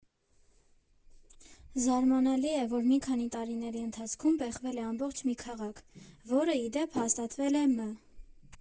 Զարմանալի է, որ մի քանի տարիների ընթացքում պեղվել է ամբողջ մի քաղաք, որը, ի դեպ, հաստատվել է մ.